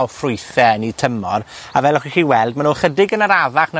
o ffrwythe yn 'u tymor, a fel allwch chi weld, ma' nw chydig yn arafach na